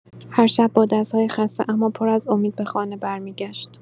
هر شب با دست‌های خسته اما پر از امید به خانه برمی‌گشت.